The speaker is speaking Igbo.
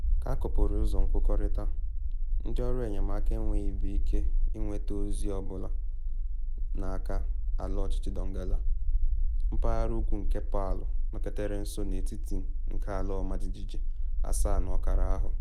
Ka akụpụrụ ụzọ nkwukọrịta, ndị ọrụ enyemaka enwebeghị ike ịnweta ozi ọ bụla n’aka ala ọchịchị Donggala, mpaghara ugwu nke Palu nọketere nso na etiti nke ala ọmajiji 7.5 ahụ.